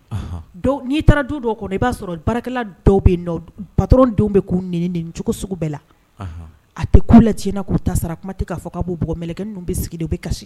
N'i taara du dɔ kɔnɔ i b'a sɔrɔ barakɛla dɔ bɛ yen bato bɛ'u ni ni cogo sugu bɛɛ la a tɛ' laina k'u ta sara kuma tɛ k'a fɔ' bɔ b bɔ mkɛ n bɛ sigi u bɛ kasi